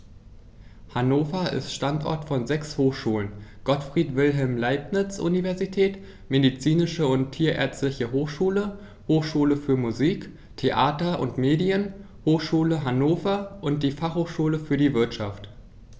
Hannover ist Standort von sechs Hochschulen: Gottfried Wilhelm Leibniz Universität, Medizinische und Tierärztliche Hochschule, Hochschule für Musik, Theater und Medien, Hochschule Hannover und die Fachhochschule für die Wirtschaft.